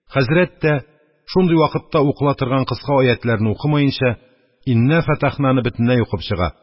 Хәзрәт тә, шундый вакытта укыла торган кыска аятьләрне укымаенча, «Иннә фәтәхна»ны бөтенләй укып чыга,